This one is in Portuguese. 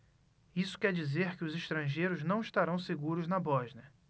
isso quer dizer que os estrangeiros não estarão seguros na bósnia